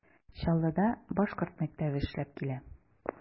Чаллыда башкорт мәктәбе эшләп килә.